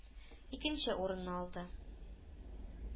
Икенче урынны алды.